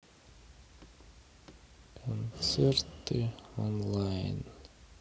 концерты онлайн